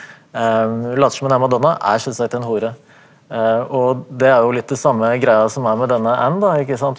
hun later som hun er madonna, er sjølsagt en hore , og det er jo litt det samme greia som er med denne Anne da ikke sant.